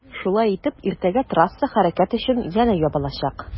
Шулай итеп иртәгә трасса хәрәкәт өчен янә ябылачак.